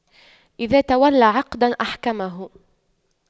إذا تولى عقداً أحكمه